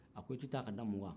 a ko i tɛ ta k'a da mun kan